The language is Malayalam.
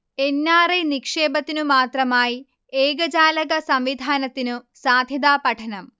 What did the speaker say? എൻ. ആർ. ഐ നിക്ഷേപത്തിനു മാത്രമായി ഏകജാലക സംവിധാനത്തിനു സാധ്യതാ പഠനം